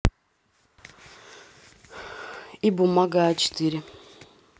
и бумага а четыре